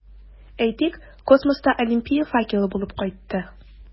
Әйтик, космоста Олимпия факелы булып кайтты.